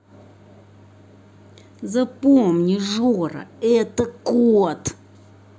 запомни жора это кот